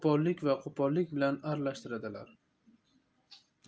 qo'pollik va qo'pollik bilan aralashtiradilar